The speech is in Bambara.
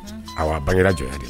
Han awɔ a bangera jɔnya de